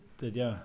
Dydy o.